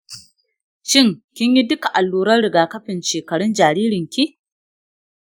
shin kinyi duka allurar rigakafin shekarun jaririnki?